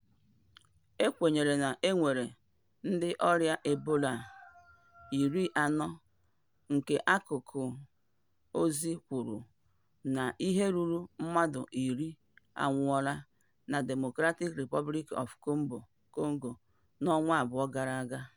E kwenyere na e nweela ndị ọria Ebola 40, nke akụkọozi kwụrụ na ihe ruru mmadụ 10 anwụọla na Democratic Republic of Congo n'ọnwa abụọ gara aga.